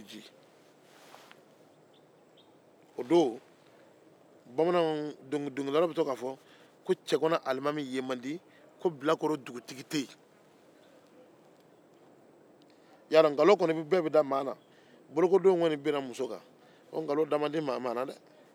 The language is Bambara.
o don bamaanw dɔnkilidala bɛ yaala k'a fɔ ko cɛgana alimami ye man di ko bilakoro dugutigi tɛ yen i b'a dɔn nkalon kɔni bɛɛ bɛ da mɔgɔ la bolokodenw binna n muso kan o nkalon da ma di mɔgɔ la dɛ